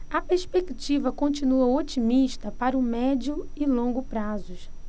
a perspectiva continua otimista para o médio e longo prazos